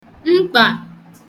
mkpà